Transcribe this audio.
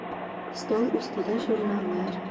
stol ustida jurnallar